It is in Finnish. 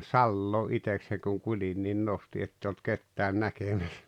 salaa itsekseni kun kuljin niin nostin että ei ollut ketään näkemässä